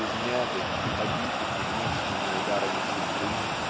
измятых и побитых внешними ударами судьбы